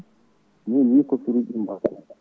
min wii coxeur uji ɗi mballani